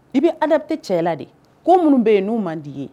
I bɛ alapte cɛla de ko minnu bɛ yen n'u man di ye